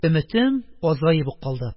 Өметем азаеп ук калды.